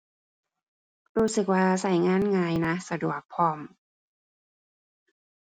รู้สึกว่าใช้งานง่ายนะ สะดวกพร้อม